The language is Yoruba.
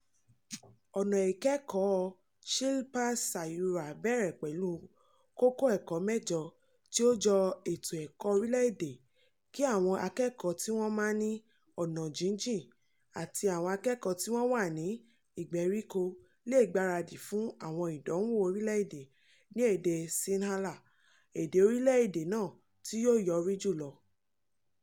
Ọ̀nà ìkẹ́kọ̀ọ́ Shilpa Sayura bẹ̀rẹ̀ pẹ̀lú kókó ẹ̀kọ́ mẹ́jọ tí ó jọ ètò ẹ̀kọ́ orílẹ̀ èdè kí àwọn akẹ́kọ̀ọ́ tí wọ́n wà ní ọ̀nà jíjìn àti àwọn akẹ́kọ̀ọ́ tí wọ́n wà ní ìgbèríko lè gbáradì fún àwọn ìdánwò orílẹ̀ èdè ní èdè Sinhala, èdè orílẹ̀ èdè náà tí ó yọrí jùlọ.